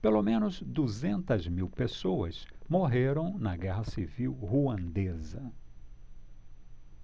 pelo menos duzentas mil pessoas morreram na guerra civil ruandesa